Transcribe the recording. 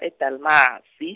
e- Delmus.